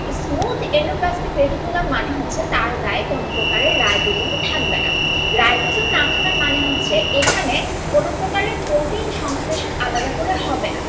smooth endoplasmic reticulum মানে হচ্ছে তার গায়ে কোন প্রকার রাইবোজোম থাকবে না রাইবোজোম না থাকার মানে হচ্ছে এখানে কোন প্রকারের প্রোটিন সংশ্লেষণ আলাদা করে হবে না